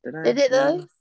Did it?... Did it though?